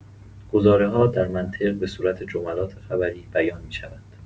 گزاره‌ها در منطق به صورت جملات خبری بیان می‌شوند.